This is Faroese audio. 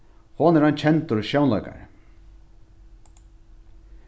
hon er ein kendur sjónleikari